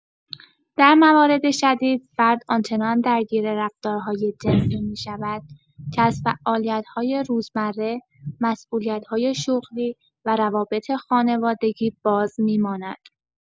در موارد شدید، فرد آن‌چنان درگیر رفتارهای جنسی می‌شود که از فعالیت‌های روزمره، مسئولیت‌های شغلی و روابط خانوادگی بازمی‌ماند.